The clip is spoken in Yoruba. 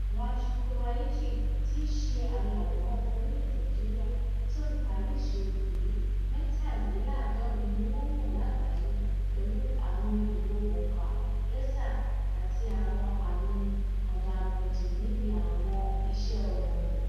Rachid Koraichi tí í ṣe ayàwòrán ọmọ Orílẹ̀-èdè Algeria tí ó fi Paris ṣe ibùgbé, 73, ni wọ́n mọ̀ lágbàáyé pẹ̀lú àwọn ìlò òǹkà, lẹ́tà, àti àwọn àmì àdàmọ̀dì níbi àwọn iṣẹ́ ọnà rẹ̀.